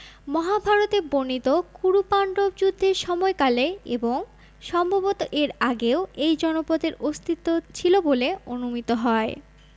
মহাভারতে বর্ণিত কুরুপান্ডব যুদ্ধের সময়কালে এবং সম্ভবত এর আগেও এই জনপদের অস্তিত্ব ছিল বলে অনুমিত হয়